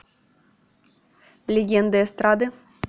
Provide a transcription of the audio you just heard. легенды эстрады